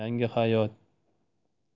yangi hayot